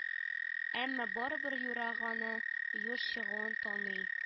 Әмма барыбер юра-ганы юш чыгуын таный